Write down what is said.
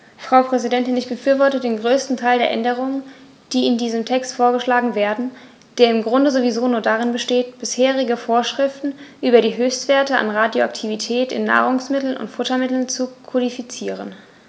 Frau Präsidentin, ich befürworte den größten Teil der Änderungen, die in diesem Text vorgeschlagen werden, der im Grunde sowieso nur darin besteht, bisherige Vorschriften über die Höchstwerte an Radioaktivität in Nahrungsmitteln und Futtermitteln zu kodifizieren.